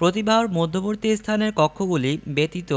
প্রতিবাহুর মধ্যবর্তী স্থানের কক্ষগুলি ব্যতীত